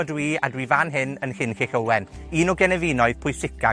ydw i, a dwi fan hyn yn Llynllyll Owen, un o genefinoedd pwysica